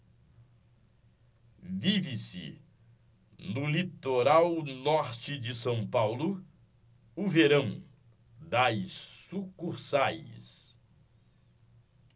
vive-se no litoral norte de são paulo o verão das sucursais